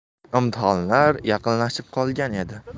imtihonlar yaqinlashib qolgan edi